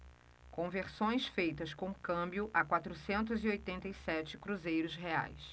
conversões feitas com câmbio a quatrocentos e oitenta e sete cruzeiros reais